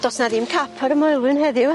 Do's 'na ddim cap ar y moelwyn heddiw...